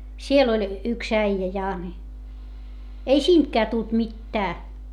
siellä oli yksi äijä ja niin ei siitäkään tullut mitään